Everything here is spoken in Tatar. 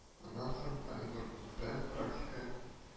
Аннан соң Оренбургта практика